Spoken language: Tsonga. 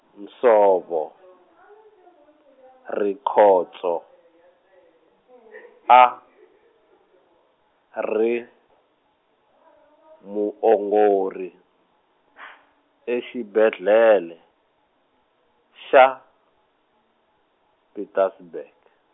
Nsovo, Rikhotso, a, ri muongori , exibedlele, xa, Pietersburg.